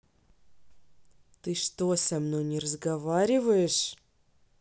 ты что со мной не разговариваешь